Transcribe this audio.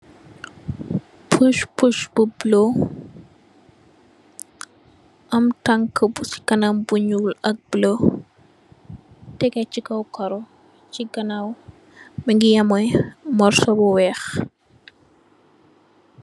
Push push bu bleu, am tankah bu cii kanam bu njull ak bleu, tehgeh chi kaw karoh, chi ganaw mungy am aiiy morsoh bu wekh.